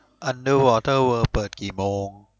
อันเดอร์วอเตอร์เวิล์ดเปิดกี่โมง